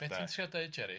Be' ti'n trio deud Jerry?